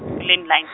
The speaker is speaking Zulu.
ku- landline .